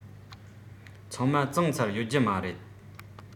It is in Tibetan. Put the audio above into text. ཚང མ བཙོང ཚར ཡོད རྒྱུ མ རེད